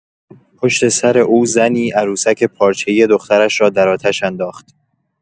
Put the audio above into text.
پشت‌سر او زنی، عروسک پارچه‌ای دخترش را در آتش انداخت.